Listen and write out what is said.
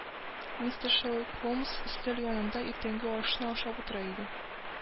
Мистер Шерлок Холмс өстәл янында иртәнге ашны ашап утыра иде